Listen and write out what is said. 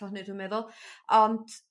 dwi meddwl ond